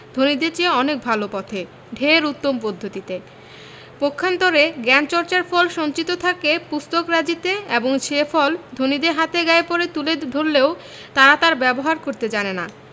ধনীদের চেয়ে অনেক ভালো পথে ঢের উত্তম পদ্ধতিতে পক্ষান্তরে জ্ঞানচর্চার ফল সঞ্চিত থাকে পুস্তকরাজিতে এবং সে ফল ধনীদের হাতে গায়ে পড়ে তুলে ধরলেও তারা তার ব্যবহার করতে জানে না